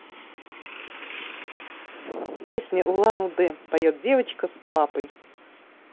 песня улан удэ поет девочка с папой